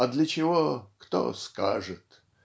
А для чего, - кто скажет?